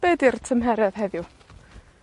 be' 'di'r tymheredd heddiw?